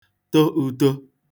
to ūtō